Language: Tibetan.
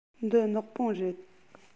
འདི ནག པང རེད